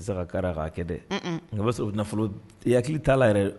N bɛ se ka ka'a kɛ dɛ nka bɛ sɔrɔ nafolo hakili t'a la yɛrɛ